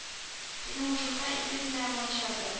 Теге мужикка ике генә манчыды